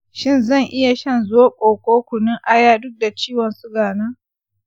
shin zan iya shan zoɓo ko kunun aya duk da ciwon suga na?